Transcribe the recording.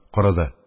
Корыды.